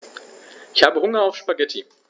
Ich habe Hunger auf Spaghetti.